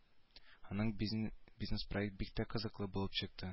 Аның бизнеспроекты бик тә кызыклы булып чыкты